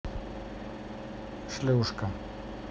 шлюшка